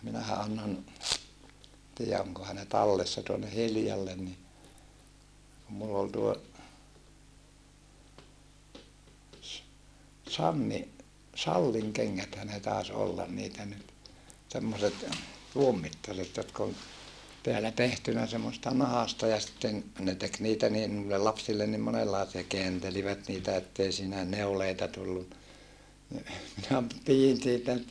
minähän annoin tiedä onkohan ne tallessa tuonne Hiljalle niin kun minulla oli tuo - Sanni Sallin kengäthän ne taisi olla niitä nyt semmoiset tuon mittaiset jotka on täällä tehty semmoisesta nahasta ja sitten ne teki niitä niin noille lapsille niin monenlaisia kääntelivät niitä että ei siinä neuleita tullut niin minä pidin niitä nyt